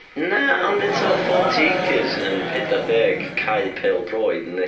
Na, ond eto forty acres yn pedwar deg cae peldroed, yndi.